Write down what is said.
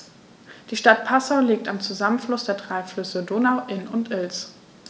Die Stadt Passau liegt am Zusammenfluss der drei Flüsse Donau, Inn und Ilz.